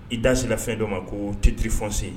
I dasi fɛn dɔ o ma ko tetiriri fɔsen